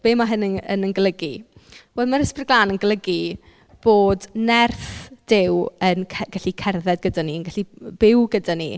Be mae hynny yn yn golygu? wel ma'r ysbryd glân yn golygu bod nerth Duw yn ce- yn gallu cerdded gyda ni yn gallu byw gyda ni.